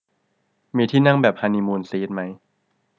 มีที่นั่งแบบฮันนี่มูนซีทมั้ย